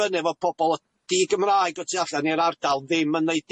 fyny efo pobol di-Gymraeg o tu allan i'r ardal ddim yn neud